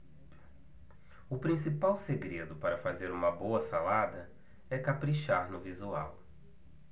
o principal segredo para fazer uma boa salada é caprichar no visual